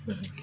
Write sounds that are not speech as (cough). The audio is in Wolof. (hesitation) (hesitation)